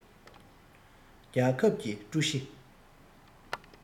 རྒྱལ ཁབ ཀྱི ཀྲུའུ ཞི